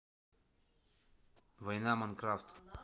война майнкрафт